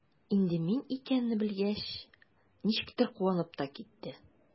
Инде мин икәнне белгәч, ничектер куанып та китте.